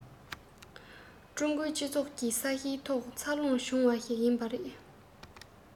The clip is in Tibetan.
ཀྲུང གོའི སྤྱི ཚོགས ཀྱི ས གཞིའི ཐོག འཚར ལོངས བྱུང བ ཞིག ཡིན པས རེད